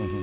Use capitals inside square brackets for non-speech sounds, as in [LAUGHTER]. [HESITATION] [HESITATION] [NOISE]